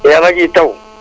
yàlla jiy taw